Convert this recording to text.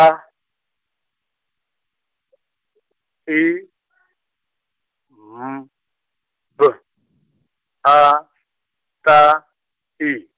A , I , M B A T I.